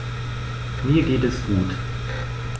Mir geht es gut.